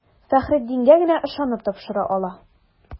Фәхреддингә генә ышанып тапшыра ала.